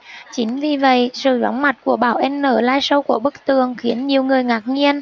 chính vì vậy sự vắng mặt của bảo anh ở liveshow của bức tường khiến nhiều người ngạc nhiên